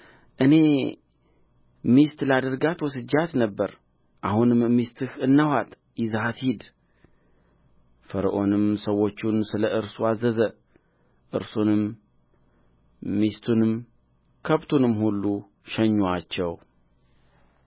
እኔ ሚስት ላደርጋት ወስጄአት ነበር አሁንም ሚስትህ እነኋት ይዘሃት ሂድ ፈርዖንም ሰዎቹን ስለ እርሱ አዘዘ እርሱንም ሚስቱንም ከብቱንም ሁሉ ሸኙአቸው